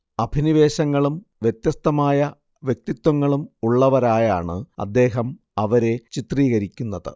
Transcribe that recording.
അഭിനിവേശങ്ങളും വ്യത്യസ്തമായ വ്യക്തിത്വങ്ങളും ഉള്ളവരായാണ് അദ്ദേഹം അവരെ ചിത്രീകരിക്കുന്നത്